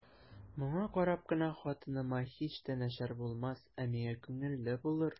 Моңа карап кына хатыныма һич тә начар булмас, ә миңа күңелле булыр.